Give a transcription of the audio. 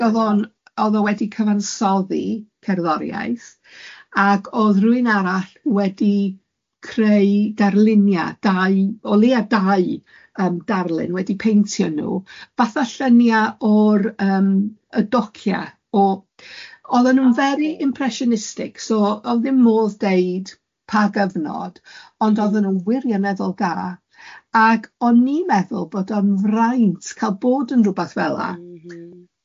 Ac oedd o'n oedd o wedi cyfansoddi cerddoriaeth, ac odd r'wun arall wedi creu darlunia, dau o leia dau yym darlun wedi peintio nhw, fatha llunia o'r yym y dociau o oedden nhw'n very impressionistic, so oedd ddim modd deud pa gyfnod, ond oedden nhw'n wirioneddol da, ac o'n i'n meddwl bod o'n fraint cael bod yn rwbeth fel yna. M-hm.